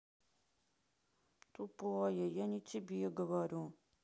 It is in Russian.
тупая я не тебе говорю